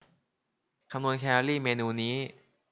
คำนวณแคลอรี่เมนูนี้